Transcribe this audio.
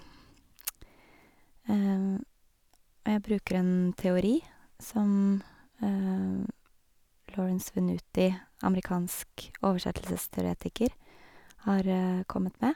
Jeg bruker en teori som Lawrence Venuti, amerikansk oversettelsesteoretiker, har kommet med.